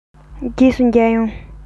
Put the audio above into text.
རྗེས སུ མཇལ ཡོང